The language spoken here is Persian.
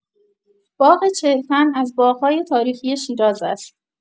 باغ چهلتن از باغ‌های تاریخی شیراز است.